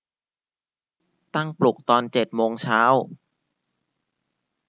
ตั้งปลุกตอนเจ็ดโมงเช้า